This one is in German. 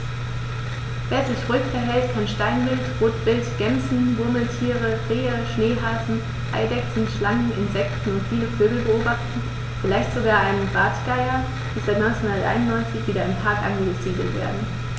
Wer sich ruhig verhält, kann Steinwild, Rotwild, Gämsen, Murmeltiere, Rehe, Schneehasen, Eidechsen, Schlangen, Insekten und viele Vögel beobachten, vielleicht sogar einen der Bartgeier, die seit 1991 wieder im Park angesiedelt werden.